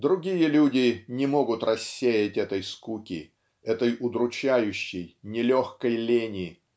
Другие люди не могут рассеять этой скуки этой удручающей нелегкой лени